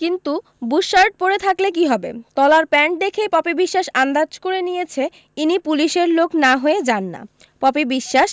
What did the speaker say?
কিন্তু বুশশারট পরে থাকলে কী হবে তলার প্যান্ট দেখেই পপি বিশ্বাস আন্দাজ করে নিয়েছে ইনি পুলিশের লোক না হয়ে যান না পপি বিশ্বাস